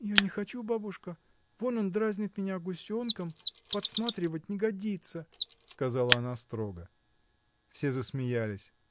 — Я не хочу, бабушка: вон он дразнит меня гусенком. Подсматривать не годится!. — сказала она строго. Все засмеялись.